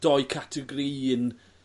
dou categori un